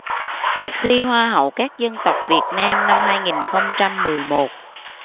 cuộc thi hoa hậu các dân tộc việt nam năm hai nghìn không trăm mười một